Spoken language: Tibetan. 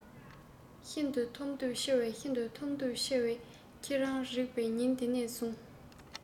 ཤིན ཏུ ཐོབ འདོད ཆེ བས ཤིན ཏུ ཐོབ འདོད ཆེ བས ཁྱེད དང རེག པའི ཉིན དེ ནས བཟུང